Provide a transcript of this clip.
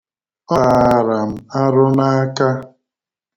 Ọ tara m arụ n'aka.